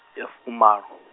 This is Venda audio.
ya fumalo.